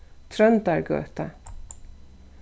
tróndargøta